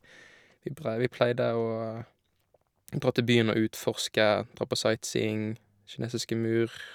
vi brei Vi pleide å dra til byen og utforske, dra på sightseeing, kinesiske mur.